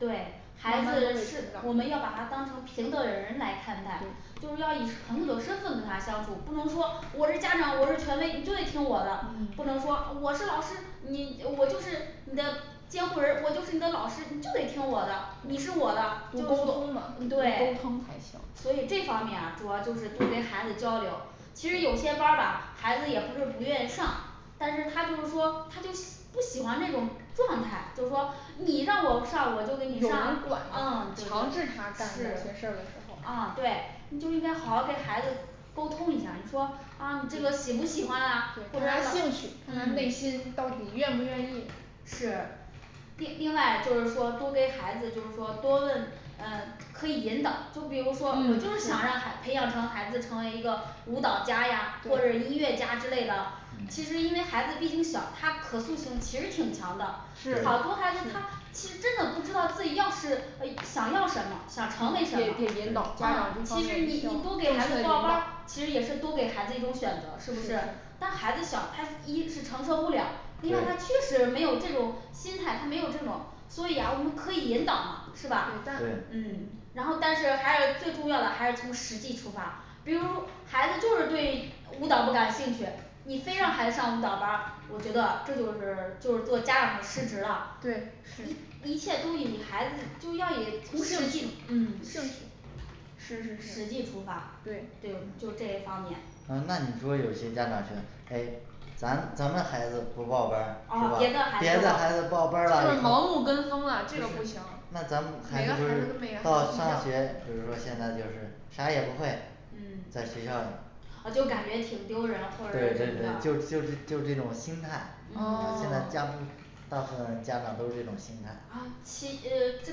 对孩慢慢都得子成长我们要把他当成平等的人来看待，对就是要以朋友身份和他相处，不能说我是家长，我是权威，你就得听我的，不嗯能说我是老师，你我就是你的监护人儿，我就是你的老师，你就得听我的，你是我的就多沟通啊多沟对通才行所以这方面啊主要就是多跟孩子交流其实有些班儿吧孩子也不是不愿意上但是他就是说他就不喜欢那种状态，就是说你让我上我就给你有上啊人管着他强制他干哪些事是儿的时候啊对你就应该好好给孩子沟通一下你说啊你这个喜不喜欢嗯啊对或者把看他嗯兴趣看他内心到底愿不愿意是另另外就是说多给孩子就是说多问嗯可以引导，就比如说我嗯就是想让对孩培养成孩子，成为一个舞蹈家呀或者音乐家之类的，其实嗯因为孩子毕竟小，他可塑性其实挺强的好多孩是对子他其实真的不知道自己要是呃想要什么想成为什么得得引导家对长啊这方其面实也你需要需要你多给孩引子报报班导儿是其实也是多给孩子一种选择是不是是但孩子小他第一是承受不了他第二他对确实没有这种心态他没有这种所以呀我们可以引导是对吧但对？ 嗯嗯然后但是还是最重要的还是从实际出发，比如孩子就是对舞蹈不感兴趣你非让孩子上舞蹈班儿，我觉得这就是就是做家长的失职了一对是一切都以孩子就要以从兴趣兴嗯兴趣是实际是出发就是对就这一方面嗯那你说有些家长觉得诶咱咱们孩子不报班儿是噢吧别别的的孩孩子子就报报班儿了是你盲目就跟风啊这个不就是行每那个咱们孩孩子子跟不每是个孩子到上不学就是说现在就是啥也不会在一学嗯样校里啊就感觉挺丢人或对者什对么的对就就是就这种心态现在嗯家不哦 大部分家长都是这种心态啊其呃这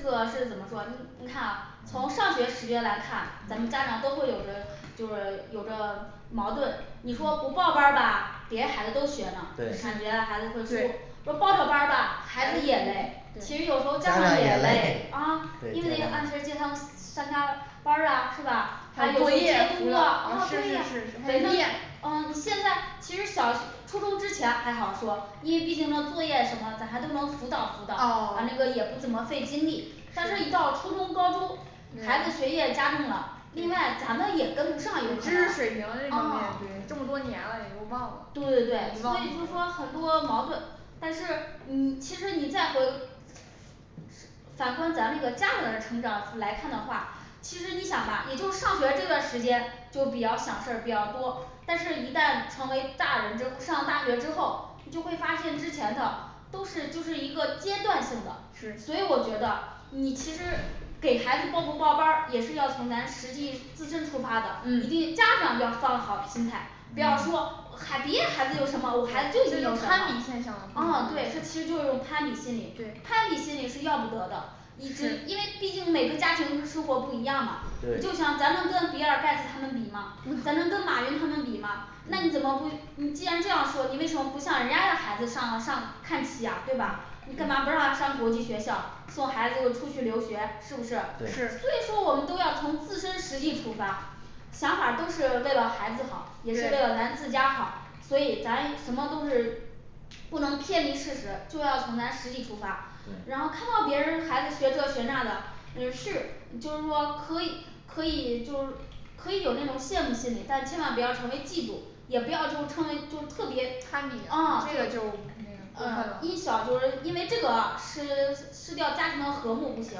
个这怎么说你你看啊从嗯上学期间来看咱们家长嗯都会有个就是有着矛盾你说不嗯报班儿吧别的孩子都学呢感觉孩子会输对说报上班儿吧孩孩子子也也累累对其实有时候对家家长长也也累累家长啊 对因为得按时接他们上下班儿啊是吧还还有有啊作对业辅导啊是是呀啊是你现在其实小初中之前还好说因为毕竟那作业什么咱还都能辅导辅导哦完那个也不怎么费精力但是一对到初中高中孩子对学业加重了另外对咱们也跟不上有知可能识水平的那方面啊对这么多年了也都忘了对对对所遗以就是说忘了很很多多矛盾但是嗯其实你再回反观咱那个家长的成长来看的话，其实你想吧也就上学这段时间就比较想事儿比较多，但是一旦成为大人就上大学之后，你就会发现之前的都是就是一个阶段性的，所是以我觉得你其实给孩子报不报班儿也是要从咱实际自身出发的，一定嗯家长要放好心态，不要嗯说嗨别人孩子有什么，我孩子就对得这一定就有什么攀比现象的共同啊这之处对其实就是一种攀比心理攀比对心理是要不得的一所以因为是毕竟每个家庭生活不一样嘛，就对像咱能跟比尔盖茨他们比吗，咱能跟 马云他们比吗那你怎么对不你既然这样说，你为什么不向人家的孩子上上看齐呀对吧？你干嘛不让上国际学校送孩子又出去留学，是不是？是所对以说我们都要从自身实际出发想法都是为了孩子好，也是为了对咱自家好，所以咱什么都是不能偏离事实，就要从咱实际出发，然后看对到别人的孩子学这学那的，嗯是就是说可以可以就是可以有这种羡慕心理，但千万不要成为嫉妒，也不要就成为就特别攀比啊这个就那个嗯过第分了一条就是因为这个失失掉家庭的和睦不行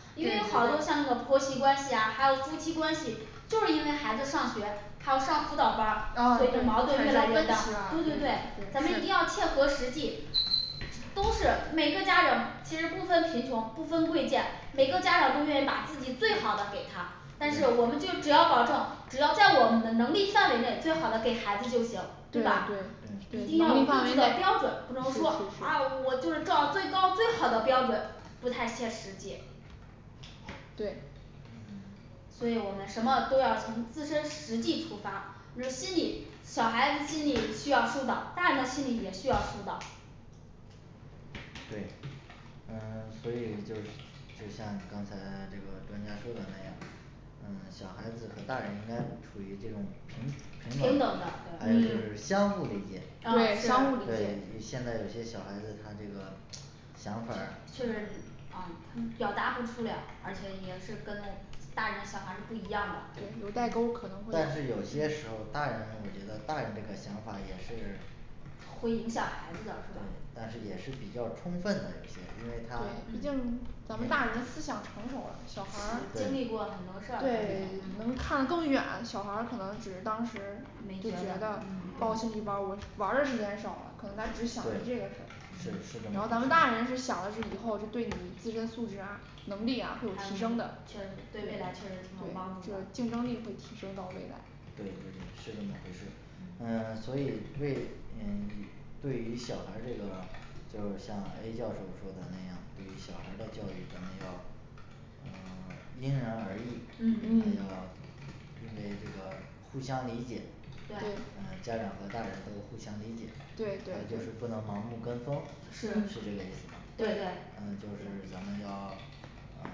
对对也有好多像那个对婆媳关系呀还有夫妻关系，就是因为孩子上学还要上辅导班儿啊对产生分歧对对对那些矛盾升温对对对一定是要切是合实际都是每个家人其实不分贫穷不分贵贱，每个家长嗯都愿意把自己最好的给他，但是对我们就只要保证只要在我们的能力范围内最好的给孩子就行，对对对吧？对一定对要能力范有一围内个是标准，不能是是说啊我就是照最高最好的标准，不太切实际对嗯 所以我们什么都要从自身实际出发，比如心理小孩子心理需要疏导，大人的心理也需要疏导对嗯 所以就就像刚才 这个专家说的那样嗯小孩子和大人应该处于这种平平平等等的还有就是嗯相互理解啊对相互理对一是解现在有些小孩子他这个想法儿确实啊啊表嗯达不出来而且也嗯是跟大人小孩儿是不一样的有代沟可能会但是有些时候大人我觉得大人这个想法也是会影响孩子的对是吧但是也是比较充分了一些因为对他毕竟咱们大人思想成熟了小孩儿经历对过很多事儿对嗯 那能看个更远小孩儿可能只是当时就那个觉得嗯报嗯嗯兴对趣班儿我玩儿的时间少了可能他只想了这个事儿是是这么然后回咱们大人是想的是以后是事对你的自身素质啊能力他对确实啊会有提升的对未来对确实是挺有帮这助的个竞争力会提升到未来对对对是这么回事嗯所以为嗯 对于小孩儿这个 就是像A教授说的那样对于小孩的教育咱们要呃 因人而异还要嗯嗯因为这个互相理解对对呃家长和大人都互相理解还对有对就是不能满目跟风是这是嗯个意思吗对对啊就是咱们要啊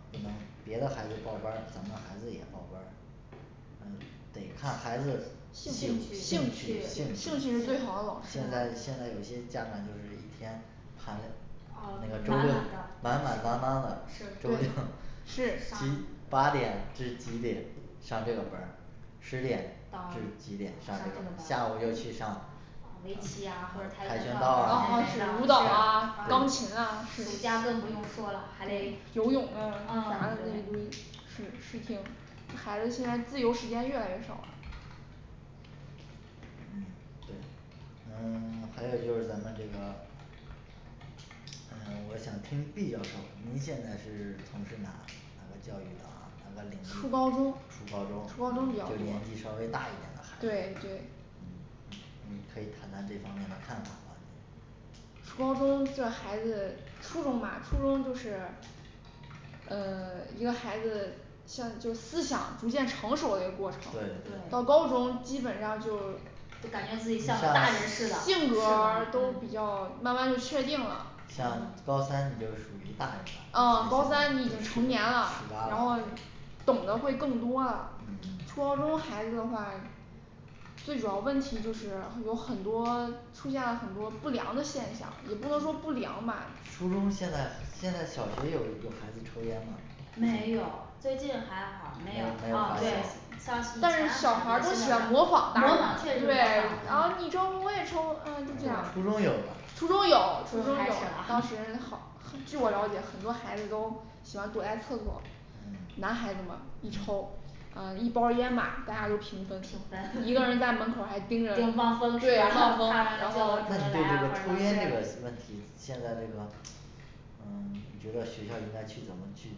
不能别的孩子报班儿咱们孩子也报班儿呃得看孩子兴兴兴兴趣趣兴兴趣趣趣兴趣兴趣是最好的老师现在嘛现在有些家长就是一天排嘞啊那个周六满满满当满当的的是周六 七是八点至几点上这个班儿十到上什么点至几点上这个班班儿下午又去儿上围棋呀或者跆跆拳拳道道啊啊其是他舞蹈啊啊对钢琴啊更不用说了还得游泳啊啥啊的都一对堆是是挺孩子现在自由时间越来越少了嗯对嗯 还有就是咱们这个嗯 我想听B教授您现在是从事哪哪个教育的啊哪个领域初初高高中中初高中比较多对年纪稍微大一点的孩子嗯嗯对对嗯嗯嗯可以谈谈这方面的看法吗初高中这孩子初中吧初中就是呃 一个孩子像就思想逐渐成熟的一过程对对对到高对中基本上就就感觉自己你像像大人似了性格儿都比较慢慢就确定了像高三你就属于大人了啊高三你已经成年了然后懂的会更多了嗯初高中孩子的话最主要问题就是有很多出现了很多不良的现象也不能说不良吧初中现在现在小学有有孩子抽烟吗没有最近还好都没没有有啊发没现有模但是小孩儿仿都确喜实欢模模仿仿大人对然后你抽我也抽啊就这样啊初初中中有有吗初中有初中开当始时啦好和 据我了解许多孩子都喜欢躲在厕所嗯男孩子嘛一抽啊一包儿烟嘛大家都平分嗯平一分个人 在就门口望还风盯着望风看对着呀老师怎然么后来那 你呀对这反个正抽烟这这个个问题现在这个嗯 你觉得学校应该去怎么去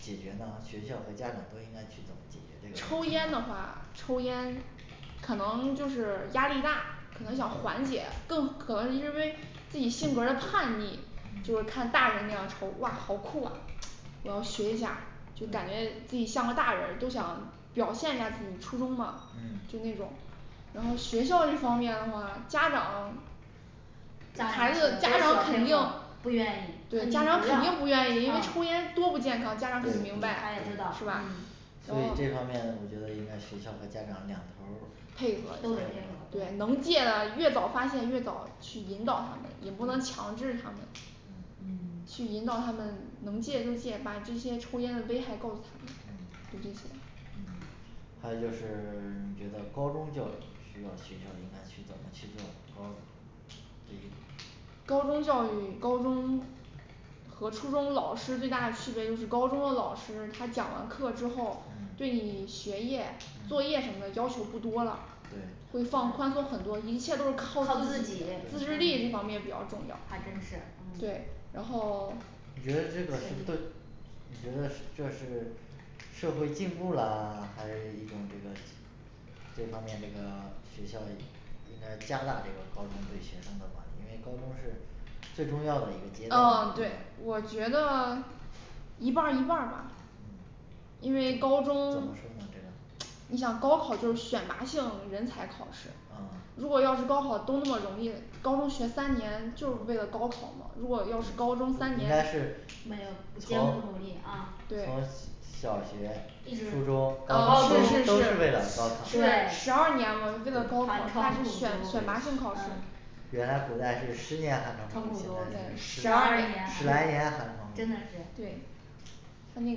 解决呢学校和家长都应该去怎么解决这抽烟的话个抽烟可能就是压力大可能想嗯缓解更可能是因为自己性格儿的叛逆就是嗯看大人那样抽哇好酷哇我要学一下就感觉自己像个大人都想表现下自己初中嘛。嗯就那种。然后学校这方面的话，家长孩子家长肯定不愿意对家长肯定不愿意因为抽啊烟多不健康家长肯对定明他对白也知道是对吧嗯然所以这方面我觉得后应该学校和家长两头然后配儿合都一得下戒了对能戒越早发现越早去引导他们也不能对强制他们嗯嗯去引导他们能戒就戒把这些抽烟的危害告诉他嗯就这些嗯还有就是 你觉得高中教育需要学校应该去怎么去做高对于高中教育高中和初中老师最大的区别就是高中的老师他讲完课之后嗯对你学业作业嗯什么的要求不多了对会放宽松很多你一切都是靠靠自自己己嗯自制力这方面比较重要还真是嗯嗯对然后 嗯你觉得这个是对你觉得是 这是社会进步啦 还是一种这个去 这方面这个 学校应该加大这个高中对学生的管理因为高中是最重要的一个阶啊段对我觉得 一半儿一半儿吧嗯因怎为高么说呢中这个啊 你想高考就是选拔性人才考试，嗯如果要是高考都那么容易，高中学三年就是为了高考嘛如果要是高中三年应该是没有不艰苦从努力啊对啊从是是小学初中高中都都是为了高考是对对对是十二寒年嘛为了高考对它是选选拔对性窗苦考读试原来古代是十年寒窗窗苦苦读现在读对是十十十十二二年对年来年寒窗苦读真的是对它那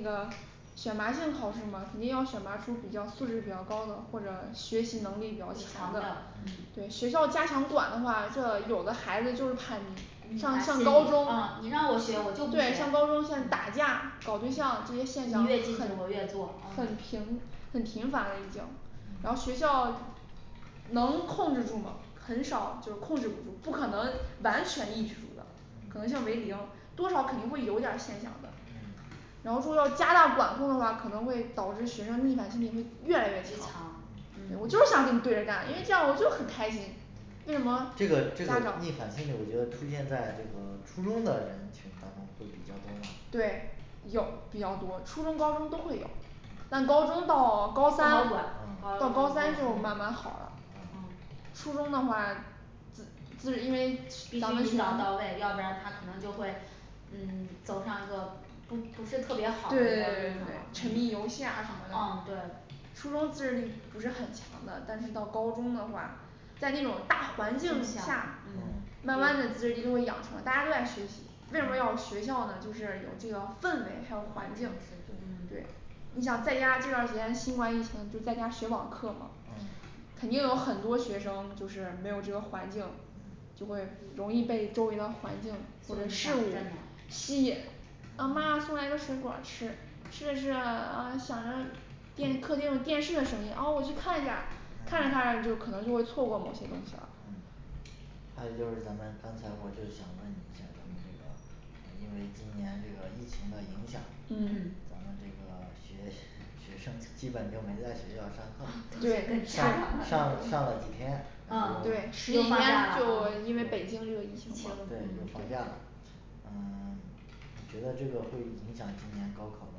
个选拔性考试嘛肯定要选拔出比较素质比较高的或者学习能力比较强强的的嗯对学校家庭管的话这有的孩子就是叛逆上上高嗯中啊你让我学我就不学对上高中像打架搞对象这些现象你很越禁止我越做啊很频很频繁了已经然后学校 能控制住吗很少就控制不住不可能完全抑制住的可能性为零嗯多少肯定会有点儿现象的嗯然后说要加大管控的话，可能会导致学生逆反心理就越越来越极强强，嗯诶嗯我就是想跟你对着干，因为这样我就很开心为什嗯么这个这个家长对逆反心理我觉得出现在这个初中的人群当中会比较多吗有比较多，初中高中都会有，但高中到高三啊到高三就慢慢好了啊啊初中的话自自因为咱们思情想到位要不然他可能就会嗯 走上一个不对对对不是特别好的一个对那对沉什迷游戏啊什么啊么对的初中自制力不是很强的但是到高中的话在这种大环境底下下嗯慢对慢地自制力就会养成大家都在学习为什么要学校呢就是有这个氛围还有环境对嗯对你想在家这段儿时间新冠疫情就在家学网课嘛嗯肯定有很多学生就是没有这个环境嗯就会容易被周围的环境或者事物吸引啊妈妈嗯送来的水果儿吃吃着吃着啊想着电客厅有电视的声音哦我去看一下儿看着嗯看着你就可能就会错过某些东西了嗯还有就是咱们刚才我就想问你一下，咱们这个呃因为今年这个疫情的影响嗯嗯，咱们这个学学生 基本就没在学校上课，对嗯 赤上上了上了几天 啊咱对们十就几又放假天了就因为北京疫的这个疫这对情情嘛就放假了呃 你觉得这个会影响今年高考吗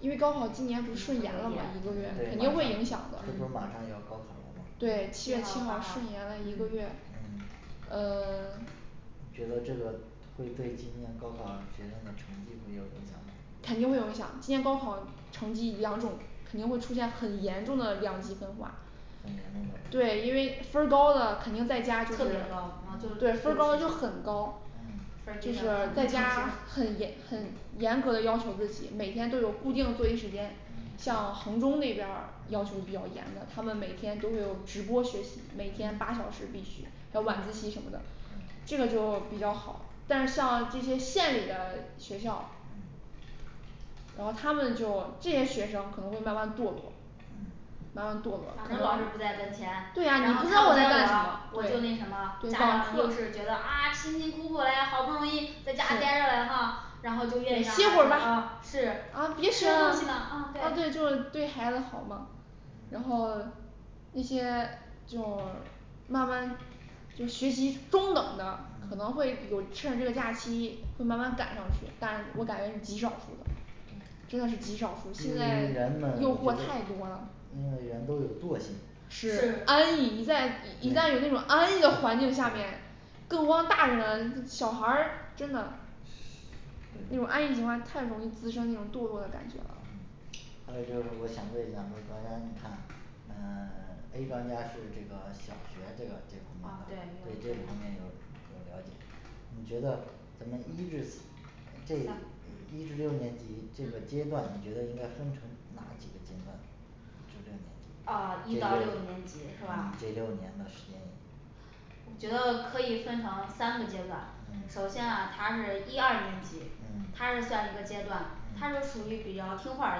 因为高考今年不是嗯对马顺延了吗一一个月肯个定会影月上响的这不是马上要高考了吗对七七月七号号八号顺延了一个月嗯呃 觉得这个会对今年高考学生的成绩会有影响吗肯定会有影响今年高考成绩两种肯定会出现很严重的两极分化很严重的对因为吗分儿高的肯定在特别高嗯家就是对分儿高就很高嗯分儿就低是在的家很严很严格地要求自己每天都有固定作息时间嗯像衡中那边儿要求嗯比较严的他们每天都会有直播学习每天八小嗯时必须还有晚自习什么的嗯这个就比较好但像这些县里的学校嗯然后他们就这些学生可能会慢慢堕落慢慢堕落嗯可能老师不在跟前对呀你然后不就知道我在干什么对那什么家对网长课就是是觉得啊辛辛苦苦呀好不容易在家呆着是的哈然后就愿对意让孩歇子会儿吧啊是啊休别息学了休息吧啊啊对对就对孩子好嘛然嗯后 那些就儿慢慢就学习中等的可能嗯会有趁这个假期会慢慢赶上去但我感觉是极少数的嗯就真是 的人们是极觉少数得因现为在人诱惑太多了都有惰性是是安逸一再一再有那种安逸的环境下面更何况大人了那 小孩儿真的那种安 逸情况太容易滋生那种堕落的嗯感觉了 还有就是我想问一下儿两位专家你看呃 A专家是这个小学这个这方啊对面的对这对个方面有有了解你觉得咱们一至四 这呃一至六年级这个阶嗯段你觉得应该分成哪几个阶段至六年级这六啊 一到六年级是嗯吧这六年的时间我觉得可以分成三个阶段，首先啊他是一二年级，他是算一个阶段，他是属于比较听话，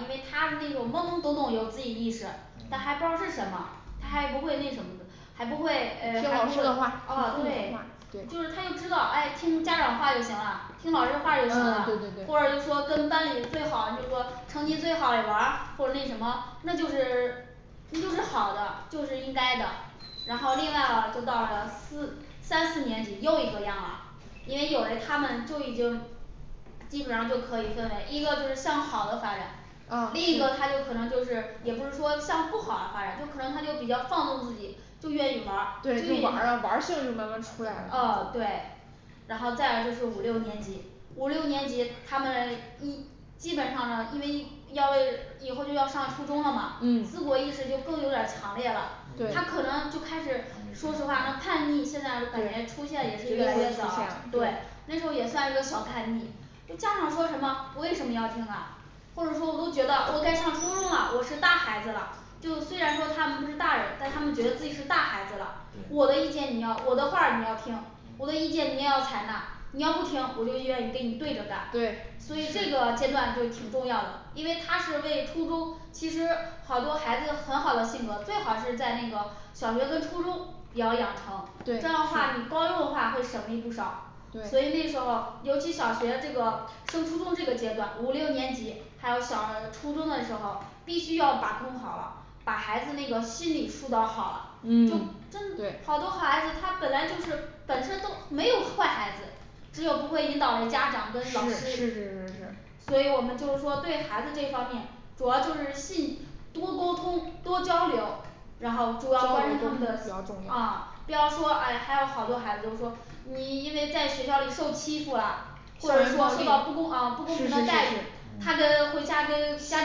因为他是那种懵懵懂懂有自己意识，但还不知道是什么，他还不会那种a嗯嗯嗯嗯嗯还不会呃听拿老那师的种话听父啊母的话对对就是他又知道哎听家长的话就行了听老师的话儿就行啊了对对对或者就说跟班里最好就是说成绩最好的玩儿或者那什么那就是 那就是好的就是应该的，然后另外了就到了四三四年级又一个样了，因为有嘞他们就已经基本上就可以分为一个是向好的发展啊，另一个是他有可能就是也不是说向不好发展，有可能他就比较放纵自己，就愿意玩儿就愿对就意玩儿啊啊玩儿性就慢慢出来了对然后再就是五六年级五六年级，他们 一基本上因为要 以后就要上初中了嘛，嗯自我意识就更有点儿强烈了，他对可能就开始他没听说实着话叛逆，现在就对绝对是感觉出出现了现也是越来越多了啊，对这时候也算一个小叛逆就家长说什么我为什么要听啊，或者说我都觉得我该上初中了，我是大孩子了就虽然说他们不是大人，但他们觉得自己是大孩子了，我对的意见你要我的话儿你要听我嗯的意见你也要采纳，你要不听我就愿意给你对对着干，所以这是个阶段就挺重要的，因为它是为初中其实好多孩子很好的性格，最好是在那个小学跟初中你要养成，这对是样的话你高中的话会省力不少对所以那个 尤其小学这个升初中这个阶段，五六年级还有小初中的时候，必须要把控好了把孩子那个心理疏导好了，就嗯真 对好多孩子他本来就是本身都没有坏孩子只有不会引导嘞家长是是是是跟老师是是是，所以我们说对孩子这方面主要就是信多沟通多交流然沟通后的比较重啊要不要说哎还有好多孩子就说你因为在学校里受欺负了或者对说受到不是公啊不是公平的是待遇，是他跟回嗯家跟心家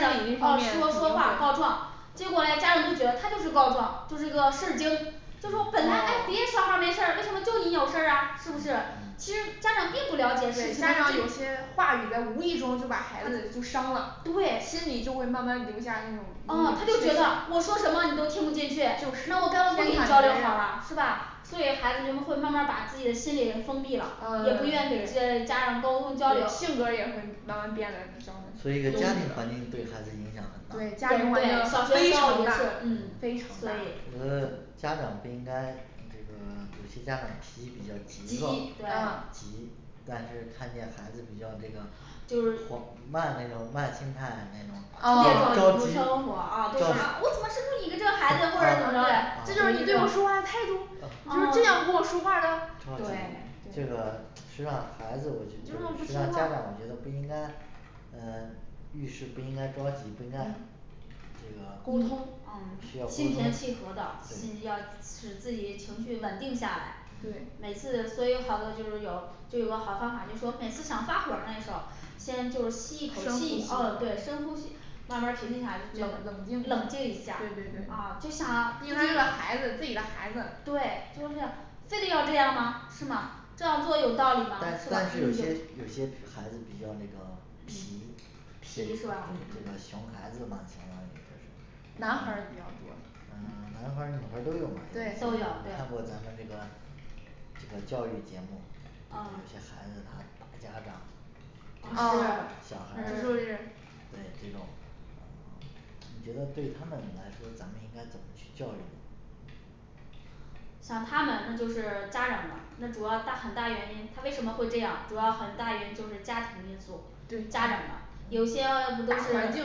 长这方啊面肯说定说会话告状，结果嘞家长都觉得他就是告状就是个事儿精就说本来诶嗯别的啊小孩没事儿为什么就你有事儿呀是不是其实家嗯长并不了解对事情的真家啊对啊他长有些话语在无意中就把孩子就伤啦心理就会慢慢留下那种阴就觉得影我说什么你都就是听不进去那我干脆不给你交流 好啦是吧所以孩子就会慢慢把自己的心灵封闭了嗯 也不愿意给些家人沟通交流对性格儿也会慢慢变的生所以这家庭嗯环境对孩子影响对很大家里环境非常大对嗯非嗯常所大嗯啊我以觉得家长不应该这个 有些家长脾气比较急急躁啊对但是看见孩子比较这个 缓就是 慢那个慢心态嘞那种就啊着急着 啊啊啊呃就着是急我怎么生出你这这个实际个上孩子孩子或者怎么着嘞这就是你跟我说话的态度你就是这样跟我说话儿的我你为什觉不说么实不际说上家话长我觉得不应该呃遇事不应该着急不应该这个需嗯要沟沟通通对嗯嗯心平嗯气和的必须对要使自己情绪稳定下来对嗯每次都有好的就是有就有个好方法就是说每次想发火那一刻先就是吸深一口呼吸气啊对深嗯呼吸慢慢儿平静下来就是冷冷冷静静一一下下对对对啊经常对因为他是个孩子自己的孩子就是非得要这样吗是吗？ 这样做有道理吗？但不管但是什是有些有么些孩子比较那个皮这皮个是吧熊孩子嘛什么的是男孩儿的比较多嗯 男孩儿女孩儿都有嘛有一些对都有你看过咱对们这个这个教育节目然后啊有啊些孩子他打家长是啊小孩是就儿是对这种你觉得对他们来说，咱们应该怎么去教育像他们那就是家长的那主要大很大原因，他为什么会这样？主要很大原因就是家庭因素家长对的嗯有些比如大环境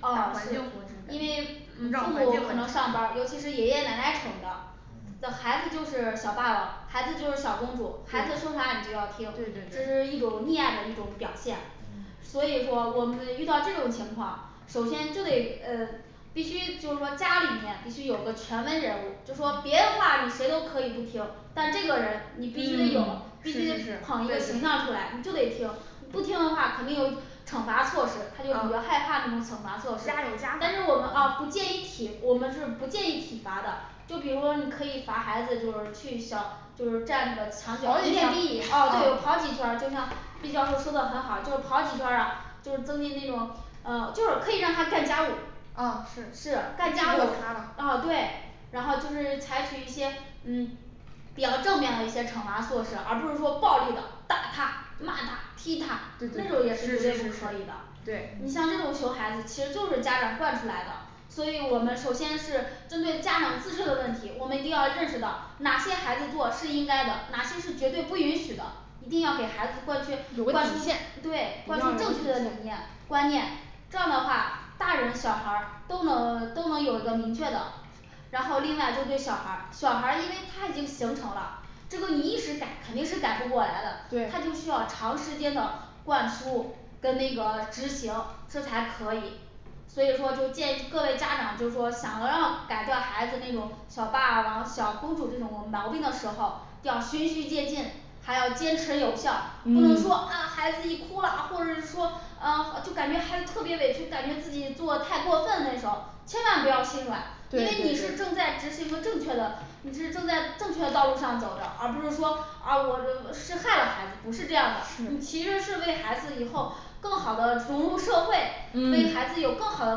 大啊环境所致因为的嗯父母可能上班儿尤其是爷爷奶奶宠的的嗯孩子就是 小霸王孩子就是小公主孩子说对啥你就要对听这对是一种对溺爱的一种表现嗯所以说我们遇到这种情况首先就得呃必须就是说家里面必须有个权威人物，就说别的嗯话你谁都可以不听，但嗯 是是是这个人嗯你必须得有对必须得捧一个形象出来，对你就得听你不听的话，肯定有惩罚措施，呃家他就有比较害怕那种惩罚措施家，但是我们啊法不建嗯议体我们是不建议体罚的，就比如说你可以罚孩子就是去小就是站那个墙角跑几圈儿面壁啊啊对呃是跑几圈儿，就像B教授说的很好，就是跑几圈儿啊，就是增进那种就是可以让他干家务啊是是干家务啊对然后就是采取一些嗯比较正面的一些惩罚措施，而不是说暴力的打他骂他，踢他对对那种也对是是是绝是对不是可以的对嗯你像这种熊孩子其实就是家长惯出来的所以我们首先是针对家长自身的问题，我们一定要认识到哪些孩子做是应该的，哪些是绝对不允许的，一定要给孩子灌去有个灌输底线一定要对灌有输个底正确的理念观线念这样的话大人小孩儿都能 都能有个明确了然后另外就对小孩儿小孩儿，因为他已经形成了，这个你一时改肯定是改不过来的，他就需对要长时间的灌输跟那个执行，这才可以所以说就建议各位家长就是说想让改掉孩子那种小霸王小公主这种毛病的时候要循序渐进还要坚持有效，不嗯能说 啊孩子一哭啊，或者是说啊就感觉孩子特别委屈，感觉自己做太过分，那时候千万不要心软，因为对你是正对在执行对的正确的，你是正在正确的道路上走着，而不是说啊我这是害了孩子，不是这样的，是你其实是为孩子以后更好的融入社会，为孩子有更嗯好的